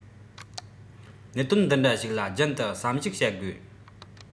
གནད དོན འདི འདྲ ཞིག ལ རྒྱུན དུ བསམ གཞིགས བྱ དགོས